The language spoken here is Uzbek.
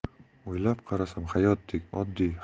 o'ylab qarasam hayotdek oddiy